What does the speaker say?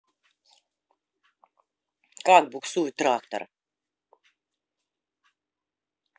как буксует трактор